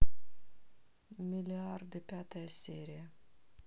миллиарды пятая серия